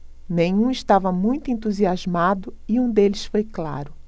nenhum estava muito entusiasmado e um deles foi claro